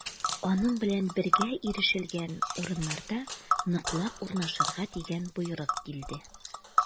Аның белән бергә ирешелгән урыннарда ныклап урнашырга дигән боерык килде.